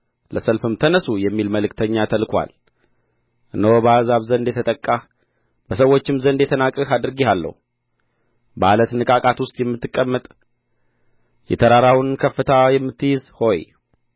ለሰልፍም ተነሡ የሚል መልእክተኛ ተልኮአል እነሆ በአሕዛብ ዘንድ የተጠቃህ በሰዎችም ዘንድ የተናቅህ አድርጌሃለሁ በዓለት ንቃቃት ውስጥ የምትቀመጥ የተራራውን ከፍታ የምትይዝ ሆይ